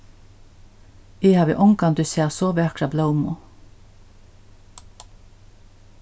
eg havi ongantíð sæð so vakra blómu